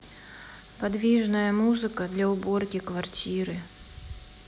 подвижная музыка для уборки квартиры